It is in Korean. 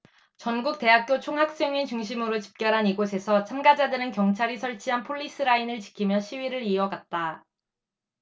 전국 대학교 총학생회 중심으로 집결한 이곳에서 참가자들은 경찰이 설치한 폴리스라인을 지키며 시위를 이어갔다